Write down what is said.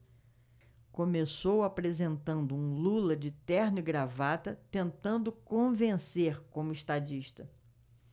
começou apresentando um lula de terno e gravata tentando convencer como estadista